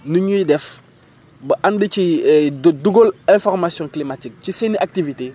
ni ñuy def ba ànd ci dugal information climatique ci seen i activité